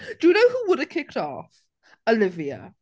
Do yu know who would've kicked off? Olivia.